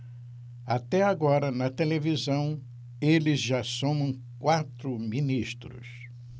até agora na televisão eles já somam quatro ministros